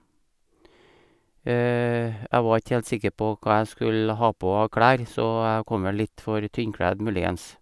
Jeg var ikke helt sikker på hva jeg skulle ha på av klær, så jeg kom vel litt for tynnkledd, muligens.